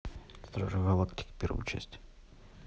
стражи галактики первая часть